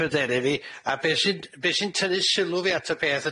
pryderu fi a be' sy'n be' sy'n tynnu sylw fi at y peth